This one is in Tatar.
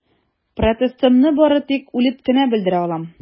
Протестымны бары тик үлеп кенә белдерә алам.